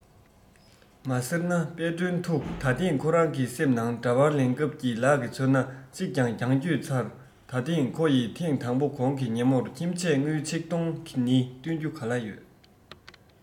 མ ཟེར ན དཔལ སྒྲོན ཐུགས ད ཐེངས ཁོ རང གི སེམས ནང དྲ པར ལེན སྐབས ཀྱི ལག གི མཚོན ན གཅིག གི རྒྱང བསྐྱོད ཚར ད ཐེངས ཁོ ཡི ཐེངས དང པོ གོང གི ཉིན མོར ཁྱིམ ཆས དངུལ ཆིག སྟོང ནི སྟོན རྒྱུ ག ལ ཡོད